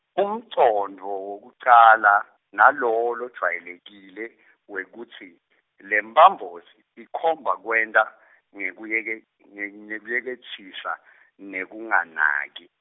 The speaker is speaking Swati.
umcondvo wekucala nalowo lojwayelekile wekutsi lemphambosi ikhomba kwenta ngekuyeke-, nge ngekuyeketsisa nekunganaki.